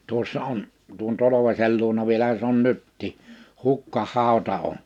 tuossa on tuon Tolvasen luona vielähän se on nytkin hukkahauta on